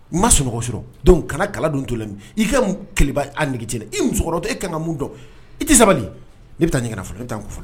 Ma sunɔgɔ sɔrɔ kana kala don' la i ka age i musokɔrɔba e ka ka mun dɔn i tɛ sabali i bɛ ɲininka fɔlɔ tan fɔ la